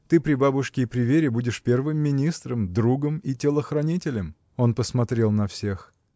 Ты при бабушке и при Вере будешь первым министром, другом и телохранителем. Он посмотрел на всех.